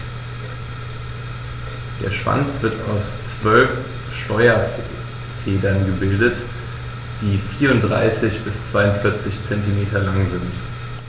Der Schwanz wird aus 12 Steuerfedern gebildet, die 34 bis 42 cm lang sind.